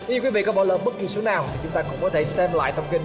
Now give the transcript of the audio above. nếu như quý vị có bỏ lỡ bất kỳ số nào thì chúng ta cũng có thể xem lại trong kênh